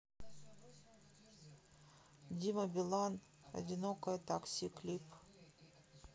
дима билан одинокое такси клип